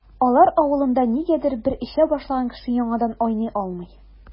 Алар авылында, нигәдер, бер эчә башлаган кеше яңадан айный алмый.